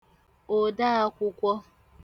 òdaākwụ̄kwọ̄